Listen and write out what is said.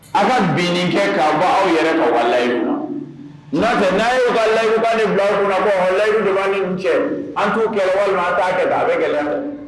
Aw ka bin kɛ k'a bɔ aw yɛrɛ kɔ wala layi n'a fɛ n'y' layiduban ni bila kunna kɔlayiban cɛ an k'u kɛ wala t'a kɛ a bɛ gɛlɛya fɛ